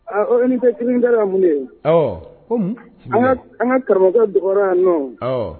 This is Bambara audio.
awɔ ko mun an ka k an ka karamɔgɔkɛ bugɔra yan nɔ awɔ